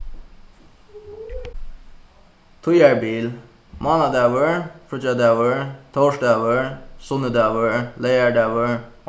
tíðarbil mánadagur fríggjadagur tórsdagur sunnudagur leygardagur